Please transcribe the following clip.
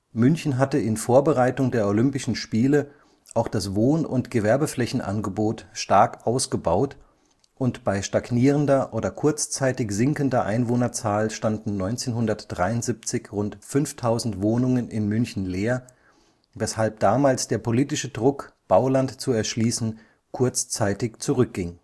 München hatte in Vorbereitung der Olympischen Spiele auch das Wohn - und Gewerbeflächenangebot stark ausgebaut, und bei stagnierender oder kurzzeitig sinkender Einwohnerzahl standen 1973 rund 5000 Wohnungen in München leer, weshalb damals der politische Druck, Bauland zu erschließen, kurzzeitig zurückging